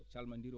calmonndiron